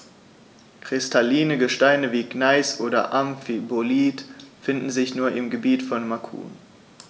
Kristalline Gesteine wie Gneis oder Amphibolit finden sich nur im Gebiet von Macun.